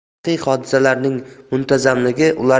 tarixiy hodisalarning muntazamligi